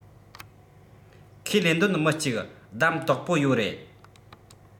ཁས ལེན འདོད མི གཅིག བདམས དོག པོ ཡོ རེད